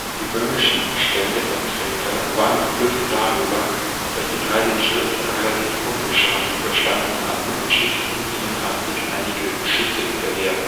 Die böhmischen Ständevertreter waren verblüfft darüber, dass die drei den Sturz relativ unbeschadet überstanden hatten, und schickten ihnen hastig einige Schüsse hinterher